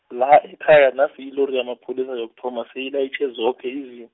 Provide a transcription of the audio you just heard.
la ekhaya nasi ilori yamapholisa yokuthoma seyilayitjhe zoke izi-.